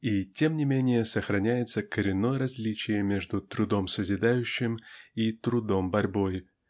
И тем не менее сохраняется коренное различие между трудом созидающим и трудом-борьбой